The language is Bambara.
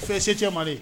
fɛn secɛma de